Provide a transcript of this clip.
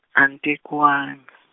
ani tekiwanga.